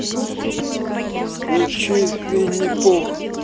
включи винни пух